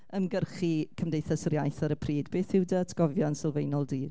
ymgyrchu Cymdeithas yr iaith ar y pryd. Beth yw dy atgofion sylfaenol di?